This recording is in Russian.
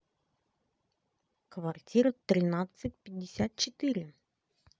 квартира тринадцать пятьдесят четыре